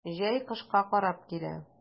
Җәй кышка карап килә.